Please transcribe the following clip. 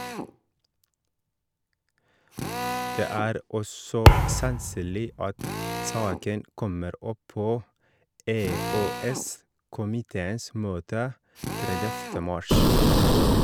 Det er også sannsynlig at saken kommer opp på EØS- komiteens møte 30. mars.